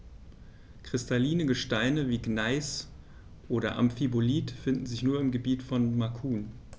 Kristalline Gesteine wie Gneis oder Amphibolit finden sich nur im Gebiet von Macun.